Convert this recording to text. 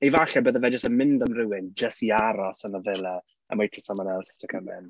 Neu falle bydde fe jyst yn mynd am rywun jyst i aros yn y villa and wait for someone else to come in.